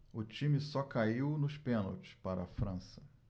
o time só caiu nos pênaltis para a frança